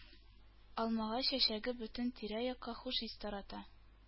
Алмагач чәчәге бөтен тирә-якка хуш ис тарата.